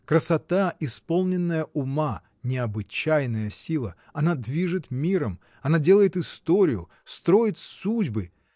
Красота, исполненная ума, — необычайная сила, она движет миром, она делает историю, строит судьбы